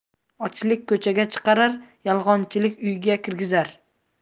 ochlik ko'chaga chiqarar yalang'ochlik uyga kirgizar